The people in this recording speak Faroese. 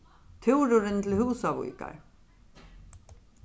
túrurin til húsavíkar